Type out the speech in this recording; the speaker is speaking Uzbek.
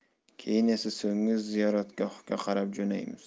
keyin esa so'nggi ziyoratgohga qarab jo'naymiz